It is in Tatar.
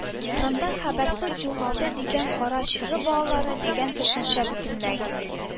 Рында “хәбәрсез югалды” дигән кара чоры балалары” дигән төшенчә бөтенләй